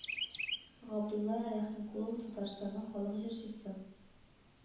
Габдулла Рәхимкулов Татарстанның халык җырчысы